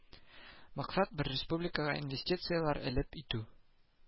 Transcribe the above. Максат бер республикага инвестицияләр әлеп итү